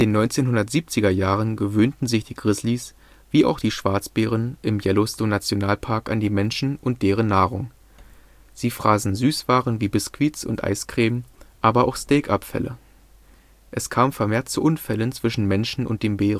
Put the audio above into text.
1970er Jahren gewöhnten sich die Grizzlys – wie auch die Schwarzbären – im Yellowstone-Nationalpark an die Menschen und deren Nahrung. Sie fraßen Süßwaren wie Biscuits und Eiscreme, aber auch Steak-Abfälle. Es kam vermehrt zu Unfällen zwischen Menschen und den Bären